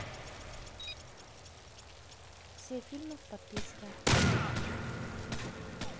все фильмы в подписке